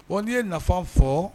O ye nafa fɔ